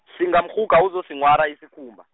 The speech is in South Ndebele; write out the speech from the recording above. singamrhuga uzosinghwara isikhumba.